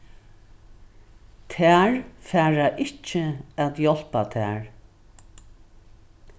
tær fara ikki at hjálpa tær